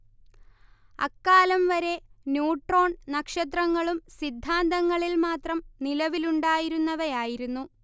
അക്കാലം വരെ ന്യൂട്രോൺ നക്ഷത്രങ്ങളും സിദ്ധാന്തങ്ങളിൽ മാത്രം നിലവിലുണ്ടായിരുന്നവയായിരുന്നു